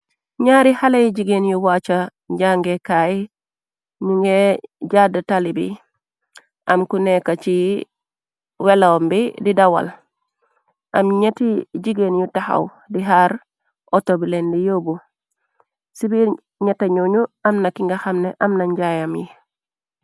Ñaari xaley jigeen yu wacca njànge kaay, ñu nga jàdd tali bi, am ku nekka ci weloom bi di dawal, am ñetti jigéen yu texaw di haar otobi len di yóbbu, ci biir ñetéñooñu amna ki nga xamne amna njaayam yi.